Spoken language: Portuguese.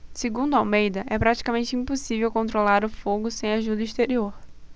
segundo almeida é praticamente impossível controlar o fogo sem ajuda exterior